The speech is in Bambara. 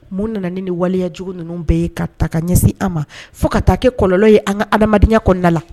Mun nana ni waleya jugu ninnu bɛ ye ka taga ɲɛsin an ma fɔ ka taa kɛ kɔlɔlɔ ye an ka adamadenyaya kɔnɔna la?